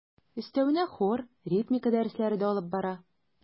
Өстәвенә хор, ритмика дәресләре дә алып бара.